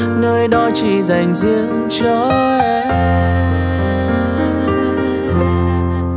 nơi đó chỉ giành riêng cho em